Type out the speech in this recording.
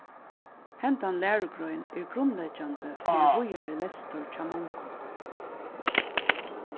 hendan lærugrein er grundleggjandi fyri víðari lestur hjá mongum